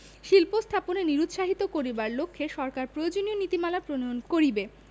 শিল্প স্থাপনে নিরুৎসাহিত করিবার লক্ষ্যে সরকার প্রয়োজনীয় নীতিমালা প্রণয়ন করিবে